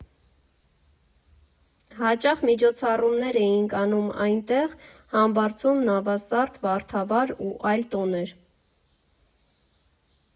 Հաճախ միջոցառումներ էինք անում այնտեղ՝ Համբարձում, Նավասարդ, Վարդավառ ու այլ տոներ։